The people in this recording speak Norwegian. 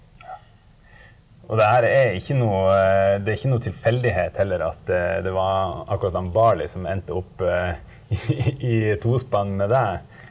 og det her er ikke noe det er ikke noe tilfeldighet heller at det var akkurat han Barley som endte opp i tospann med deg.